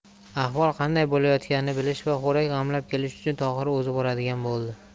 ahvol qanday bo'layotganini bilish va xo'rak g'amlab kelish uchun tohir o'zi boradigan bo'ldi